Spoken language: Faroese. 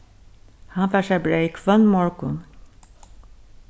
hann fær sær breyð hvønn morgun